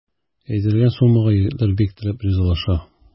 Әйтелгән суммага егетләр бик теләп ризалаша.